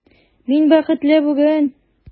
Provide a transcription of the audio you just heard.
Мин бәхетле бүген!